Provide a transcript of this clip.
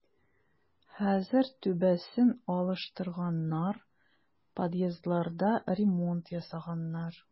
Хәзер түбәсен алыштырганнар, подъездларда ремонт ясаганнар.